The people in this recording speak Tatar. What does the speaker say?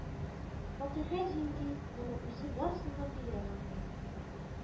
Факиһә җиңги моны үзе барысыннан бигрәк аңлый